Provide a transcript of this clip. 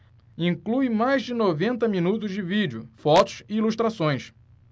inclui mais de noventa minutos de vídeo fotos e ilustrações